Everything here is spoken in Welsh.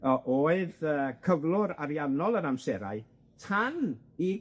o- oedd yy cyflwr ariannol yr amserau tan i